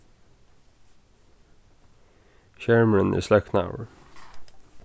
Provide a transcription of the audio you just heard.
skermurin er sløknaður